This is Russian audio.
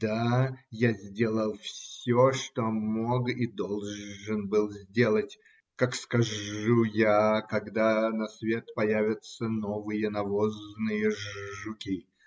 Да, я сделал все, что мог и должен был сделать, как скажу я, когда на свет явятся новые навозные жуки.